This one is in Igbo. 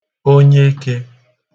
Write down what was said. onyekē